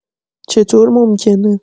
چطور ممکنه؟